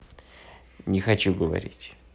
не хочу говорить